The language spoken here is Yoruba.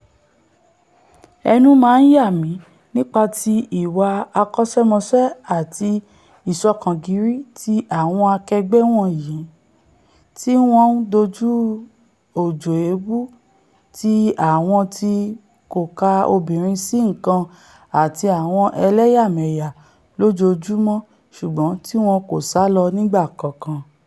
Ẹnu máa ń yà mi nípa ti ìwà akọ́ṣẹ́mọṣẹ́ àti ìṣọkàngírí ti àwọn akẹgbẹ́ wọ̀nyen tí wọ́n ń dojúkọ òjò èèbù ti àwọn tí kòka obìnrin sí nǹkan àti àwọn ẹlẹ́yàmẹ̀yà lójoojúmọ́ ṣùgbọ́n tíwọn kò sálọ nígbà kankan.